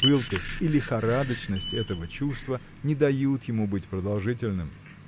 пылкость и лихорадочность этого чувства не дают ему быть продолжительным.